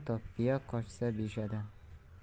top biya qochsa beshadan